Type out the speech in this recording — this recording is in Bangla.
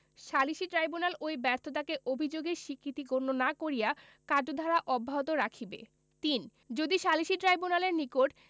সালিসী ট্রাইব্যুনাল ঐ ব্যর্থতাকে অভিযোগের স্বীকৃতি গণ্য না করিয়া কার্যধারা অব্যাহত রাখিবে ৩ যদি সালিসী ট্রাইব্যুনালের নিকট